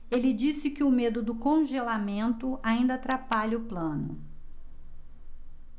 ele disse que o medo do congelamento ainda atrapalha o plano